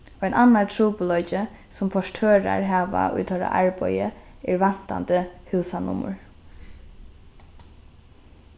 ein annar trupulleiki sum portørar hava í teirra arbeiði er vantandi húsanummur